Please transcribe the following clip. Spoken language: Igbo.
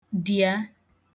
dìa